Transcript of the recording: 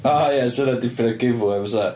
O ia, 'sa hynna'n dipyn o giveaway bysa?